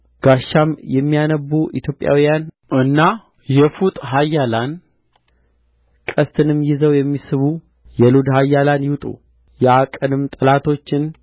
ጋሻም የሚያነግቡ የኢትዮጵያውያን እና የፋጥ ኃያላን ቀስትንም ይዘው የሚስቡ የሉድ ኃያላን ይውጡ ያ ቀን ጠላቶቹን